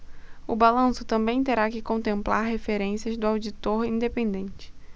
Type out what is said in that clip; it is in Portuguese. o balanço também terá que contemplar referências do auditor independente